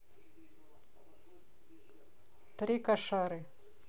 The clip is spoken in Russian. три кошары